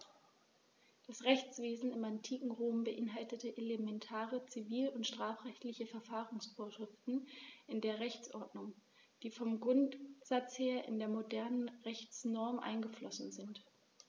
Das Rechtswesen im antiken Rom beinhaltete elementare zivil- und strafrechtliche Verfahrensvorschriften in der Rechtsordnung, die vom Grundsatz her in die modernen Rechtsnormen eingeflossen sind.